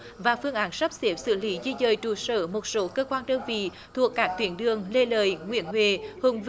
và phương án sắp xếp xử lý di dời trụ sở một số cơ quan đơn vị thuộc các tuyến đường lê lợi nguyễn huệ hùng vương